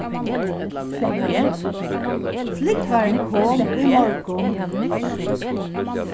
flúgvarin kom í morgun